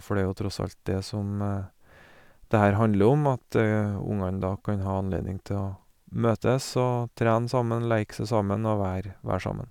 For det er tross alt dét som det her handler om, at ungene da kan ha anledning til å møtes og trene sammen, leik seg sammen og vær være sammen.